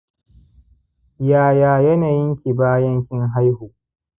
yaya yanayinki bayan kin haihu